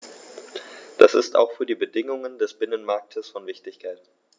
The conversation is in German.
Das ist auch für die Bedingungen des Binnenmarktes von Wichtigkeit.